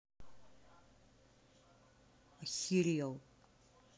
охирел